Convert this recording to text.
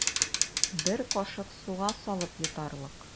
Бер кашык суга салып йотарлык.